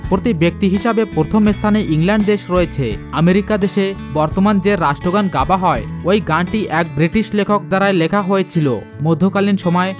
প্রতি ব্যক্তি হিসাবে ইংল্যান্ড দেশ রয়েছে আমেরিকা দেশে বর্তমানে যে রাষ্ট্র' গান গাওয়া হয় ওই গানটি এক ব্রিটিশ লেখক দ্বারা লেখা হয়েছিল মধ্যকালীন সময়ে